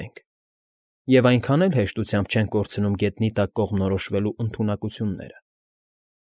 Մենք, և այնքան էլ հեշտությամբ չեն կորցնում գետնի տակ կողմնորոշվելու ընդունակությունը։